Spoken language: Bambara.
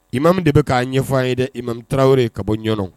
I ma min de bɛ k'a ɲɛ ɲɛfɔ ye dɛ i mami taraweleo ye ka bɔ ɲɔn